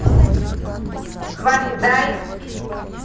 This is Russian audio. хватит дай